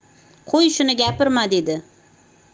qo'y shuni gapirma dedi